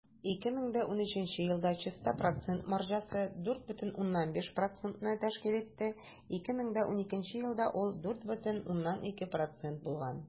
2013 елда чиста процент маржасы 4,5 % тәшкил итте, 2012 елда ул 4,2 % булган.